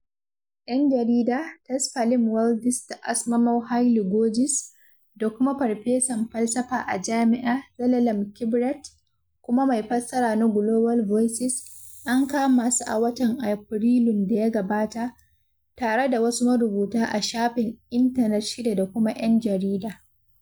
‘Yan jarida, Tesfalem Waldyes da Asmamaw Hailegiorgis, da kuma farfesan falsafa a jami’a, Zelalem Kiberet, kuma mai fassara na Global Voices, an kama su a watan Afrilun da ya gabata, tare da wasu marubuta a shafin intanet shida da kuma ‘yan jarida.